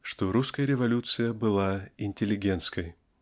что русская революция была интеллигентской .